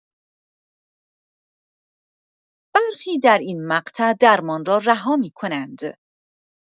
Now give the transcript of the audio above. برخی در این مقطع درمان را رها می‌کنند.